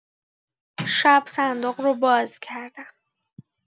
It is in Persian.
شب صندوق رو باز کردم.